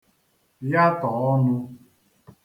yatọ̀ ọnụ̄